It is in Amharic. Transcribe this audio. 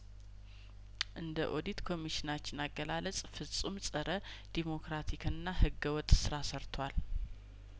እንደ ኦዲት ኮሚሽናችን አገላለጽ ፍጹም ጸረ ዴሞክራቲክና ህገወጥ ስራ ሰርቷል